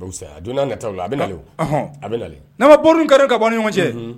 A a bɛ na a bɛ n'a ma bo kɛra ka bɔ ni ɲɔgɔn cɛ